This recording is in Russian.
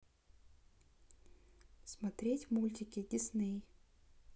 смотреть мультики дисней